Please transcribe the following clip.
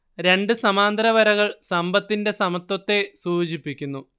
രണ്ട് സമാന്തര വരകൾ സമ്പത്തിന്റെ സമത്വത്തെ സൂചിപ്പിക്കുന്നു